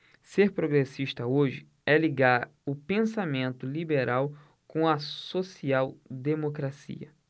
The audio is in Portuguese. ser progressista hoje é ligar o pensamento liberal com a social democracia